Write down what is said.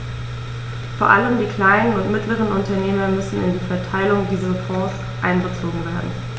Vor allem die kleinen und mittleren Unternehmer müssen in die Verteilung dieser Fonds einbezogen werden.